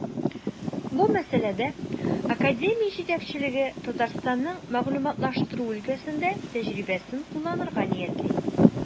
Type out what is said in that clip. Бу мәсьәләдә академия җитәкчелеге Татарстанның мәгълүматлаштыру өлкәсендә тәҗрибәсен кулланырга ниятли.